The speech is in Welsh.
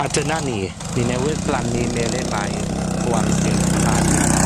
A dyna ni. Ni newydd blannu elMyn Mair o amgylch y ffa dringo.